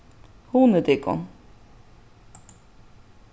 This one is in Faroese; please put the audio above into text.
hugnið tykkum